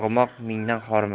arg'umoq mingan horimas